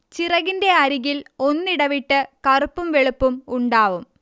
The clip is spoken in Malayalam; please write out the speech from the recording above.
ചിറകിന്റെ അരികിൽ ഒന്നിടവിട്ട് കറുപ്പും വെളുപ്പും ഉണ്ടാവും